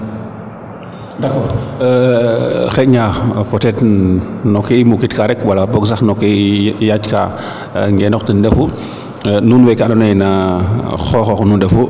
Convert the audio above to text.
d' accord o xota nga no ke i mukit ka rek wala boog sax no ke i yaac ka ngeenoox ten refu nuun weke ando naye xoxoox nu ndefu